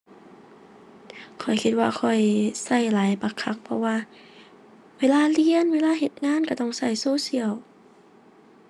ข้อยคิดว่าข้อยใช้หลายบักคัก เพราะว่าเวลาเรียน เวลาเฮ็ดงานใช้ต้องใช้โซเชียล